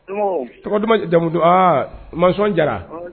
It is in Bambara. Tɔgɔ jamumu aa ma jara